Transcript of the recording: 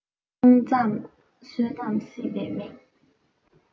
ཁོང མཛངས བསོད ནམས བསགས པའི མི